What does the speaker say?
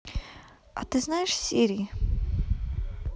а ты знаешь сири